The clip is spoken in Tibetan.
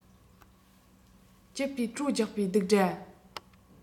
སྐྱིད པོའི བྲོ རྒྱག པའི རྡིག སྒྲ